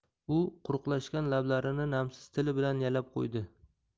u quruqlashgan lablarini namsiz tili bilan yalab qo'ydi